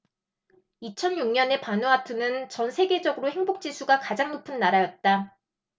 이천 육 년에 바누아투는 전 세계적으로 행복 지수가 가장 높은 나라였다